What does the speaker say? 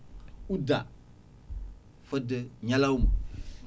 udda fodde ñalawma